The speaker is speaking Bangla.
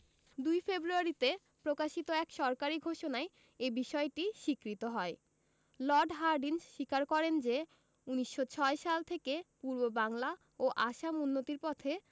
২ ফেব্রুয়ারিতে প্রকাশিত এক সরকারি ঘোষণায় এ বিষয়টি স্বীকৃত হয় লর্ড হার্ডিঞ্জ স্বীকার করেন যে ১৯০৬ সাল থেকে পূর্ববাংলা ও আসাম উন্নতির পথে